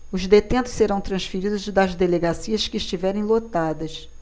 os detentos serão transferidos das delegacias que estiverem lotadas